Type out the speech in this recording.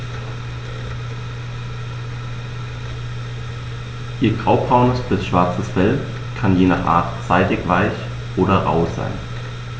Ihr graubraunes bis schwarzes Fell kann je nach Art seidig-weich oder rau sein.